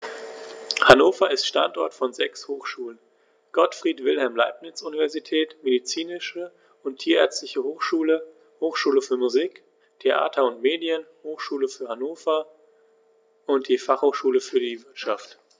Hannover ist Standort von sechs Hochschulen: Gottfried Wilhelm Leibniz Universität, Medizinische und Tierärztliche Hochschule, Hochschule für Musik, Theater und Medien, Hochschule Hannover und die Fachhochschule für die Wirtschaft.